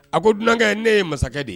A ko dunankɛ ne ye masakɛ de ye